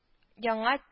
Яңа